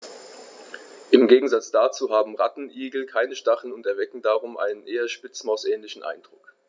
Im Gegensatz dazu haben Rattenigel keine Stacheln und erwecken darum einen eher Spitzmaus-ähnlichen Eindruck.